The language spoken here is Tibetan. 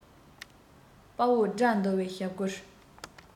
དཔའ བོ དགྲ འདུལ བའི ཞབས བསྐུལ